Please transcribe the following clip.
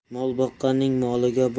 mol boqqanning moliga